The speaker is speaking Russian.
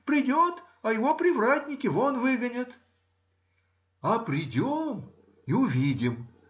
Придет, а его привратники вон выгонят. А придем и увидим